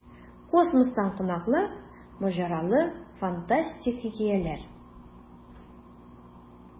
Космостан кунаклар: маҗаралы, фантастик хикәяләр.